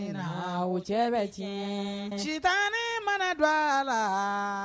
o cɛ bɛ tiyɛn Sitanɛ mana don a la